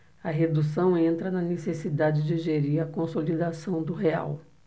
a redução entra na necessidade de gerir a consolidação do real